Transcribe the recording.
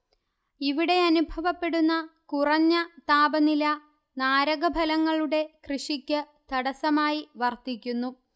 ഇവിടെയനുഭവപ്പെടുന്ന കുറഞ്ഞ താപനില നാരകഫലങ്ങളുടെ കൃഷിക്ക് തടസ്സമായി വർത്തിക്കുന്നു